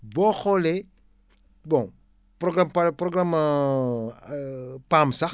boo xoolee bon programme par programme PAM sax